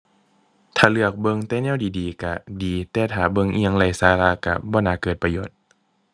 ถ้าเลือกเบิ่งแต่แนวดีดีก็ดี แต่ถ้าเบิ่งอิหยังไร้สาระก็บ่น่าเกิดประโยชน์